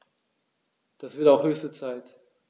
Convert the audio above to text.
Das wird auch höchste Zeit!